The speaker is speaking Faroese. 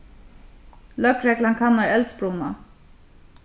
løgreglan kannar eldsbruna